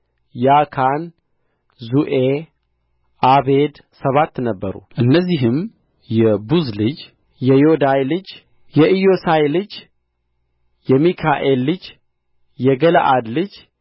ያካን ዙኤ ኦቤድ ሰባት ነበሩ እነዚህም የቡዝ ልጅ የዬዳይ ልጅ የኢዬሳይ ልጅ የሚካኤል ልጅ የገለዓድ ልጅ